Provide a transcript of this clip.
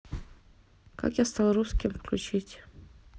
как я стал русским включить